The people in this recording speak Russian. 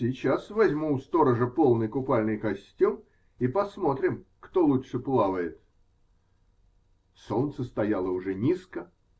Сейчас возьму у сторожа полный купальный костюм -- и посмотрим, кто лучше плавает. Солнце стояло уже низко.